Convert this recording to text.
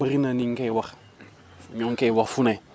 bëri na niñ koy waxñoo ngi koy wax fu ne